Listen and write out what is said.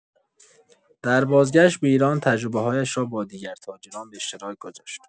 در بازگشت به ایران، تجربه‌هایش را با دیگر تاجران به اشتراک گذاشت.